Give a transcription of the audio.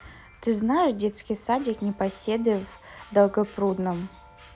ты знаешь детский садик непоседы в долгопрудном